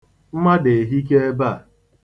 Mmadụ ehika ebe a.